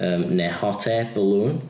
Yym neu hot air balloon.